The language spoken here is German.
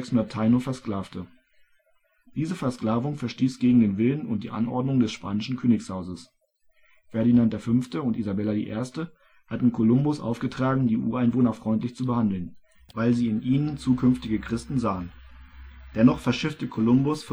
1.600 Taino versklavte. Diese Versklavung verstieß gegen den Willen und die Anordnungen des spanischen Königshauses. Ferdinand V. und Isabella I. hatten Kolumbus aufgetragen, die Ureinwohner freundlich zu behandeln, weil sie in ihnen zukünftige Christen sahen. Dennoch verschiffte Kolumbus